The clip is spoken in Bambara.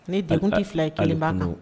Ne dakuntigi fila ye kelen don